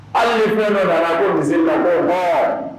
Hali ni fɛn dɔ nana ko misiri la ko hɔn